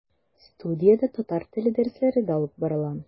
Студиядә татар теле дәресләре дә алып барыла.